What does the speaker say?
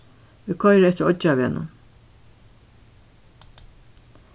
vit koyra eftir oyggjarvegnum